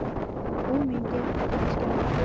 u menga tegishga majbur